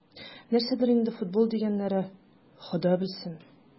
Нәрсәдер инде "футбол" дигәннәре, Хода белсен...